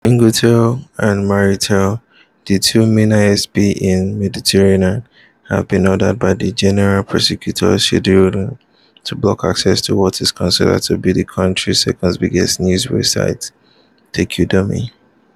Chinguitel and Mauritel, the two main ISP's in Mauritania have been ordered by the General Persecutor, Seyid Ould Ghaïlani, to block access to what is considered to be the country's second biggest news website, Taqadoumy.